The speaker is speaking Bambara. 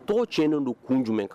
Tɔgɔ cɛnnen don kun jumɛn kan?